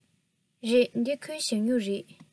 རེད འདི ཁོའི ཞ སྨྱུག རེད